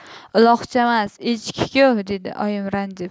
uloqchamas echki ku dedi oyim ranjib